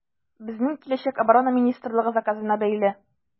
Безнең киләчәк Оборона министрлыгы заказына бәйле.